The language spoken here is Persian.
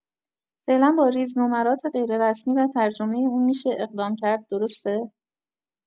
فعلا باریز نمرات غیررسمی و ترجمه اون می‌شه اقدام کرد درسته؟